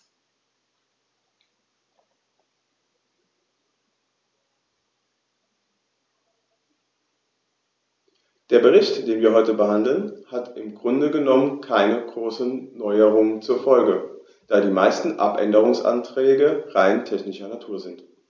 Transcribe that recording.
Der Bericht, den wir heute behandeln, hat im Grunde genommen keine großen Erneuerungen zur Folge, da die meisten Abänderungsanträge rein technischer Natur sind.